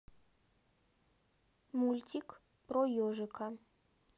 мультик про ежика